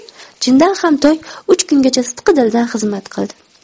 chindan ham toy uch kungacha sidqidildan xizmat qildi